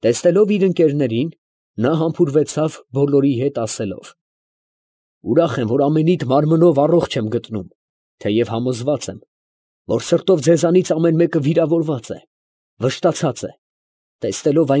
Տեսնելով իր ընկերներին, նա համբուրվեցավ բոլորի հետ, ասելով. ֊ Ուրախ եմ, որ ամենիդ մարմնով առողջ եմ գտնում, թեև համոզված եմ, որ սրտով ձեզանից ամեն մեկը վիրավորված է, վշտացած է, տեսնելով։